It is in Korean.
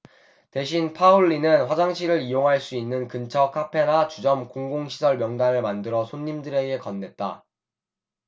대신 파울리는 화장실을 이용할 수 있는 근처 카페나 주점 공공시설 명단을 만들어 손님들에게 건넨다